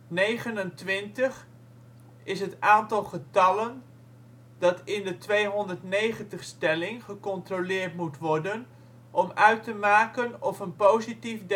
Negenentwintig is het aantal getallen dat in de 290 stelling gecontroleerd moet worden om uit te maken of een positief definiete